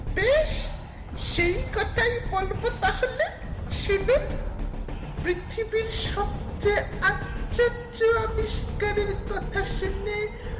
বেশ কথা বলব তাহলে শুনুন পৃথিবীর সবচেয়ে আশ্চর্য আবিষ্কার এর কথা শুনে